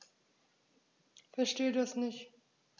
Verstehe das nicht.